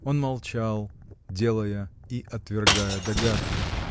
Он молчал, делая и отвергая догадки.